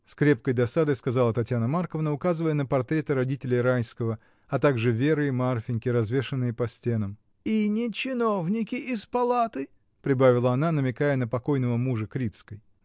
— с крепкой досадой сказала Татьяна Марковна, указывая на портреты родителей Райского, а также Веры и Марфиньки, развешанные по стенам, — и не чиновники из палаты, — прибавила она, намекая на покойного мужа Крицкой.